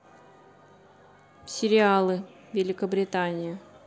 сериалы великобритания